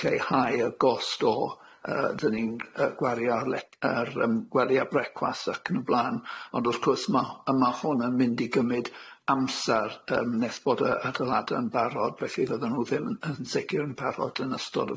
lleihau y gost o yy dyn ni'n yy gwario le- yr yym gwely a brecwast ac yn y bla'n ond wrth gwrs ma' y ma' hwn yn mynd i gymyd amsar yym nes bod yy adeilada yn barod felly fyddan nw ddim yn sicir yn barod yn ystod y